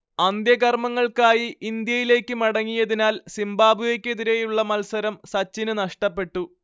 അന്ത്യകർമങ്ങൾക്കായി ഇന്ത്യയിലേക്ക് മടങ്ങിയതിനാൽ സിംബാബ്വേക്കെതിരേയുള്ള മത്സരം സച്ചിന് നഷ്ടപ്പെട്ടു